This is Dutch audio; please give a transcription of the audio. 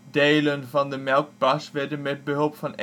Delen van de melkplas werden met behulp van